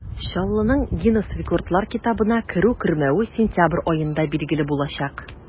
Чаллының Гиннес рекордлар китабына керү-кермәве сентябрь аенда билгеле булачак.